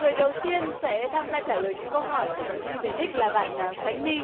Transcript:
người đầu tiên sẽ tham gia trả lời những câu hỏi của phần thi về đích là bạn à khánh my